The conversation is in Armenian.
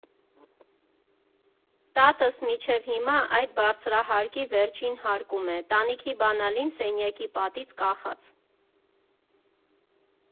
Տատս մինչև հիմա այդ բարձրահարկի վերջին հարկում է՝ տանիքի բանալին սենյակի պատից կախած։